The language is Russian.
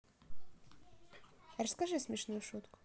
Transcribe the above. расскажи смешную шутку